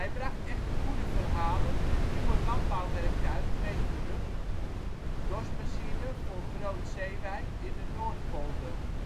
bracht echter goede verhalen en nieuwe landbouwwerktuigen mee terug (dorsmachine voor Groot Zeewijk in de Noordpolder